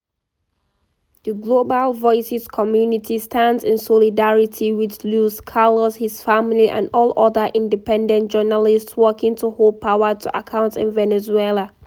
The Global Voices community stands in solidarity with Luis Carlos, his family, and all other independent journalists working to hold power to account in Venezuela.